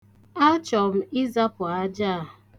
Achọ m ịzapụ aja a.